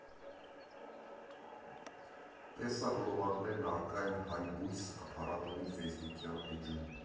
Տեսահոլովակներն առկա են Հայբույս փառատոնի ֆեյսբուքյան էջում։